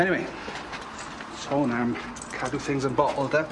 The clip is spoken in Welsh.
Eniwe, sôn am cadw things yn bottled up.